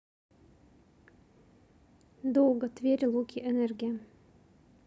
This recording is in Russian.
долго тверь луки энергия